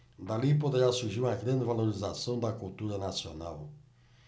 dali poderá surgir uma grande valorização da cultura nacional